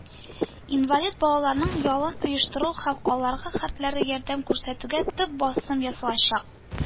Инвалид балаларның ялын оештыру һәм аларга һәртөрле ярдәм күрсәтүгә төп басым ясалачак